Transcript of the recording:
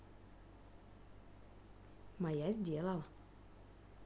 моя сделал